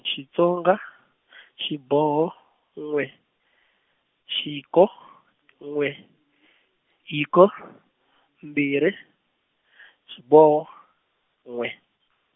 xitsonga xiboho n'we, xi hiko n'we hiko mbirhi xiboho n'we.